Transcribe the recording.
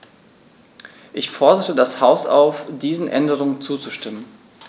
Ich fordere das Haus auf, diesen Änderungen zuzustimmen.